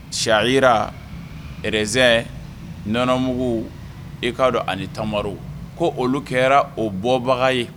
Sahira, raisin nɔnɔmugu, e k'a dɔn ani tamaro ko olu kɛra o bɔbaga ye